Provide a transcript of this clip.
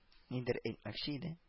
Нидер әйтмәкче иде